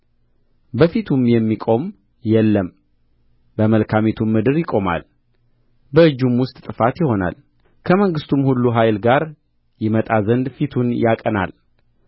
በፊቱም የሚቆም የለም በመልካሚቱም ምድር ይቆማል በእጁም ውስጥ ጥፋት ይሆናል ከመንግሥቱም ሁሉ ኃይል ጋር ይመጣ ዘንድ ፊቱን ያቀናል